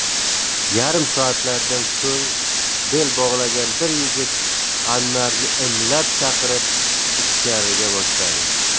yarim soatlardan so'ng bel bog'lagan bir yigit anvarni imlab chaqirib ichkariga boshladi